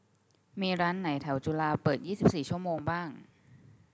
มีร้านไหนแถวจุฬาเปิดยี่สิบสี่ชั่วโมงบ้าง